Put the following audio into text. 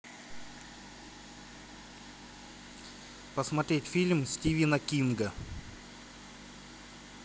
посмотреть фильм стивена кинга